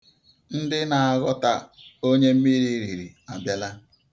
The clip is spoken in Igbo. Ndị na-aghọta onye mmiri riri abịala.